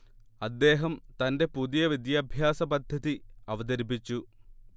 അദ്ദേഹം തന്റെ പുതിയ വിദ്യാഭ്യാസപദ്ധതി അവതരിപ്പിച്ചു